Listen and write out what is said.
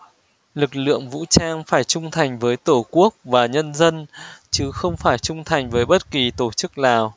lực lượng vũ trang phải trung thành với tổ quốc và nhân dân chứ không phải trung thành với bất kỳ tổ chức nào